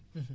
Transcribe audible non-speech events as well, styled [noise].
[hesitation] [hesitation]